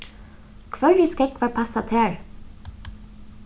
hvørjir skógvar passa tær